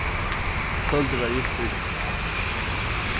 kvøldið var júst byrjað